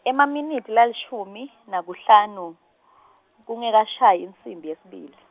emaminitsi lalishumi, nakuhlanu , kungekashayi insimbi yesibili.